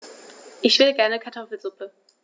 Ich will gerne Kartoffelsuppe.